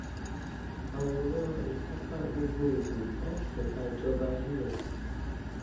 Àworan Ìkápá Gbogboògbò láti ẹ̀ka ìjọba US.